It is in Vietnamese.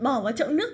bỏ vào chậu nước